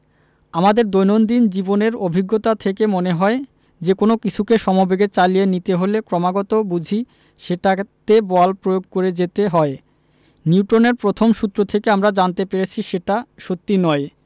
আমাদের দৈনন্দিন জীবনের অভিজ্ঞতা থেকে মনে হয় যেকোনো কিছুকে সমবেগে চালিয়ে নিতে হলে ক্রমাগত বুঝি সেটাতে বল প্রয়োগ করে যেতে হয় নিউটনের প্রথম সূত্র থেকে আমরা জানতে পেরেছি সেটা সত্যি নয়